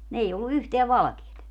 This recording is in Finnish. niin ei ollut yhtään valkeaa